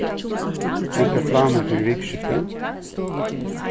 nakrar planir fyri vikuskiftið